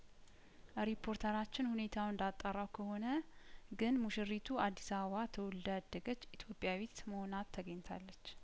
ሪፖርተራችን ሁኔታውን እንዳጣራው ከሆነ ግን ሙሽሪቱ አዲስ አበባ ተወልዳ ያደገች ኢትዮጵያዊት መሆና ተገኝታለች